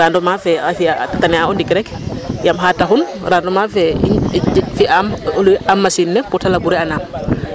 Rendement fe a fi'a a tane'a o ndik rek yaam xar taxun rendement fe fi'aam loyer am machine ne pour te labourer a naam